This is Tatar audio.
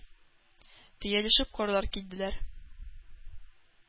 Төялешеп карлар килделәр.